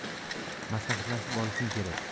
maslahatlashib olishim kerak